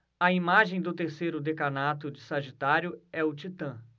a imagem do terceiro decanato de sagitário é o titã